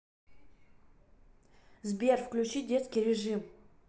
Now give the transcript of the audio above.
сбер выключи детский режим